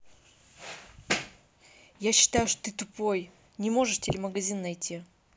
я считаю ты тупой не можешь телемагазин найти